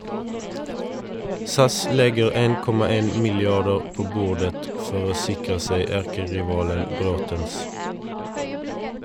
SAS legger 1,1 milliarder på bordet for å sikre seg erkerivalen Braathens.